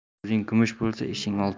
so'zing kumush bo'lsa ishing oltin